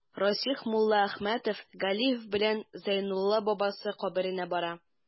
Расих Муллаәхмәт Галиев белән Зәйнулла бабасы каберенә бара.